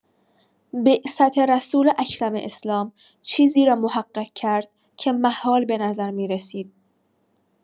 بعثت رسول اکرم اسلام چیزی را محقق کرد که محال به نظر می‌رسید.